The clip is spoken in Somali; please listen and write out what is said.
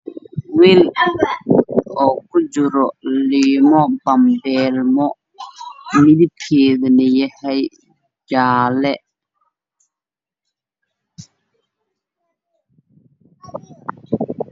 Waa weerar waxaa ku jiro midabkeedu yahay jaallo cagaar oo fara badan